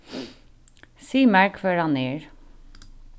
sig mær hvør hann er